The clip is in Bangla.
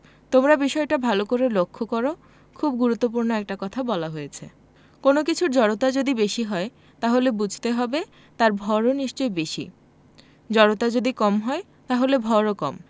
তোমরা বিষয়টা ভালো করে লক্ষ করো খুব গুরুত্বপূর্ণ একটা কথা বলা হয়েছে কোনো কিছুর জড়তা যদি বেশি হয় তাহলে বুঝতে হবে তার ভরও নিশ্চয়ই বেশি জড়তা যদি কম হয় তাহলে ভরও কম